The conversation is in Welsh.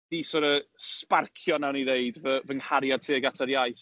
'Di sorta sparcio, wnawn ni ddeud, fy fy nghariad tuag at yr iaith.